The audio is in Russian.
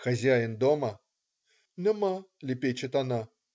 "Хозяин дома?" "Нема",- лепечет она.